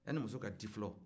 yanni muso ka di fɔlɔ